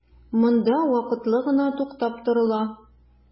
Монда вакытлы гына туктап торыла.